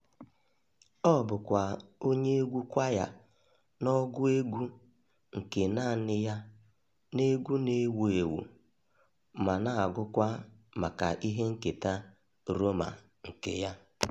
Ọ bụkwa onye egwu kwaya na ọgụ egwu nke naanị ya n'egwu na-ewu ewu ma na-agụkwa maka ihe nketa Roma nke ya.